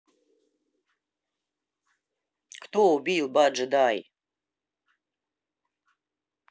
кто убил баджи дай